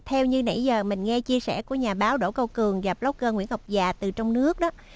theo như nãy giờ mình nghe chia sẻ của nhà báo đỗ cao cường và bờ lốc gơ nguyễn ngọc dạ từ trong nước á